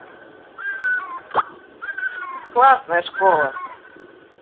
классная школа